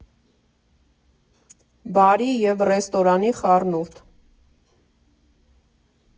Բարի և ռեստորանի խառնուրդ։